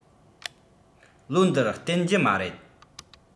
ལོ འདིར བརྟན རྒྱུ མ རེད